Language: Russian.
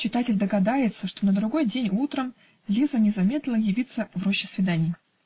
Читатель догадается, что на другой день утром Лиза не замедлила явиться в роще свиданий.